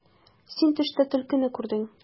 Син төштә төлкене күрдең.